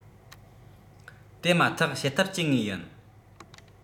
དེ མ ཐག བྱེད ཐབས སྤྱད ངེས ཡིན